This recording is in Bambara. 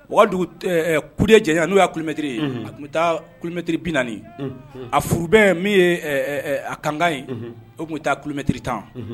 Wagadu ɛɛ kude janyan n'o y'a kilomɛtɛrɛ ;unhun; a tun bɛ taa kilomɛtɛrɛ 40;unhun; a furubɛn min ye ɛɛ a kangan ye o tun bɛ taa kilomɛtɛrɛ 10.